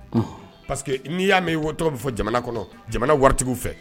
Pa que n'i y'a mɛn wo tɔgɔ bɛ fɔ jamana kɔnɔ jamana waritigiw fɛ